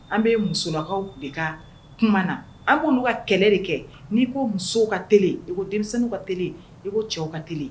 An bɛ musolakaw de ka kuma na an ko n'u ka kɛlɛ de kɛ n'i ko musow ka t i ko denmisɛnw ka t i ko cɛw ka t